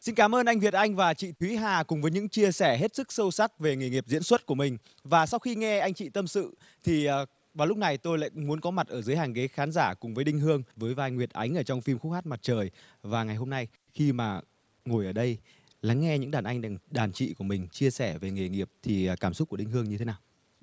xin cảm ơn anh việt anh và chị thúy hà cùng với những chia sẻ hết sức sâu sắc về nghề nghiệp diễn xuất của mình và sau khi nghe anh chị tâm sự thì vào lúc này tôi lại muốn có mặt ở dưới hàng ghế khán giả cùng với đinh hương với vai nguyệt ánh ở trong phim khúc hát mặt trời và ngày hôm nay khi mà ngồi ở đây lắng nghe những đàn anh đàn chị của mình chia sẻ về nghề nghiệp thì cảm xúc của đinh hương như thế nào